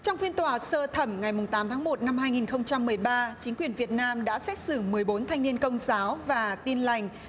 trong phiên tòa sơ thẩm ngày mùng tám tháng một năm hai nghìn không trăm mười ba chính quyền việt nam đã xét xử mười bốn thanh niên công giáo và tin lành